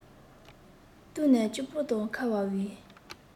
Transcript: བསྟུན ནས སྐྱུར པོ དང ཁ བ འི